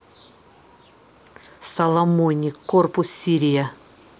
соломоник корпус сирия